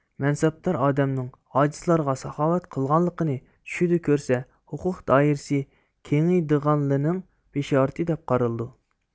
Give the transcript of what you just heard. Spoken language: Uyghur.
مەنسەپدار ئادەمنىڭ ئاجىزلارغا ساخاۋەت قىلغانلىقىنى چۈشىدە كۆرسە ھوقوق دائىرىسى كېڭيىدىغانلىنىڭ بىشارىتى دەپ قارىلىدۇ